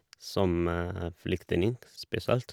Som flyktning, spesielt.